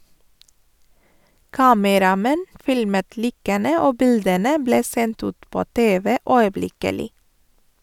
Kameramenn filmet likene og bildene ble sendt ut på TV øyeblikkelig.